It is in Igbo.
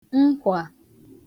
nkwà